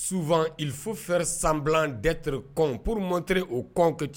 Souvent il faut faire semblant d'être cont pour montrer au cont que tu